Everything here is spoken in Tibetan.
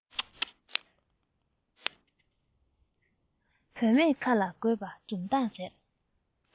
བུད མེད ཁ ལ དགོས པ འཛུམ མདངས ཟེར